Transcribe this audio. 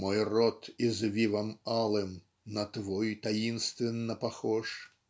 "мой рот извивом алым на твой таинственно похож".